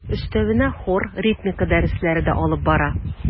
Өстәвенә хор, ритмика дәресләре дә алып бара.